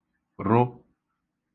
rụ